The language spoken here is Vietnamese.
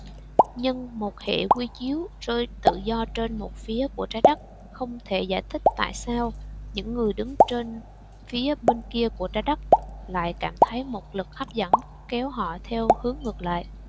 nhưng một hệ quy chiếu rơi tự do trên một phía của trái đất không thể giải thích tại sao những người đứng trên phía bên kia của trái đất lại cảm thấy một lực hấp dẫn kéo họ theo hướng ngược lại